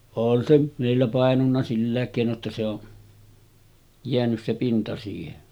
on se meillä painunut sillä keinoin jotta se on jäänyt se pinta siihen